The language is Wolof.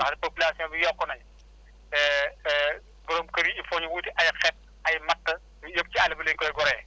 population yokku nañ borom kër yi il faut ñu wuti ay * ay matt yooyu yëpp ci àll bi lañ koy goree